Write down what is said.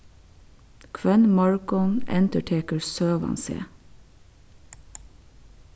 hvønn morgun endurtekur søgan seg